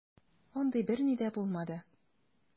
Андый берни дә булмады.